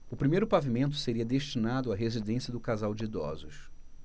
o primeiro pavimento seria destinado à residência do casal de idosos